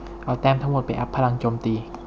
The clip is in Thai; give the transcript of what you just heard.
เอาแต้มทั้งหมดไปอัพพลังโจมตี